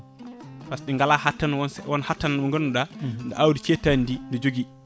par ce que ɗi nagal hattano on hattano mo ganduɗa awdi cettadidi ne joogui